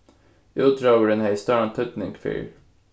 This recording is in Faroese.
útróðurin hevði stóran týdning fyrr